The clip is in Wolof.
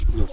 ñor